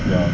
waaw